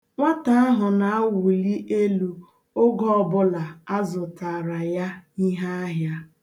Nwata ahụ na-awụli elu oge ọbụla a zụtaara ya ihe ahịa.